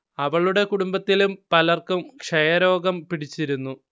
അവളുടെ കുടുംബത്തിലും പലർക്കും ക്ഷയരോഗം പിടിച്ചിരുന്നു